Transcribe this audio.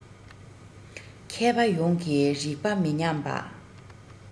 མཁས པ ཡོངས ཀྱི རིག པ མི ཉམས པ